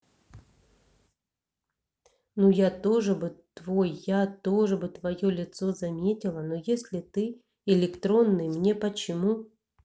ну я тоже бы твой я тоже бы твое лицо заметила но если ты электронный мне почему